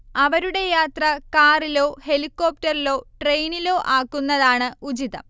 അവരുടെ യാത്ര കാറിലോ ഹെലികോപ്റ്ററിലോ ട്രെയിനിലോ ആക്കുന്നതാണ് ഉചിതം